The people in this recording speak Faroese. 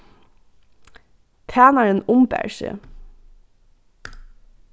tænarin umbar seg